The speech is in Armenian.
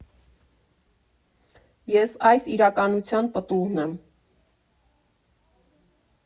Ես այս իրականության պտուղն եմ։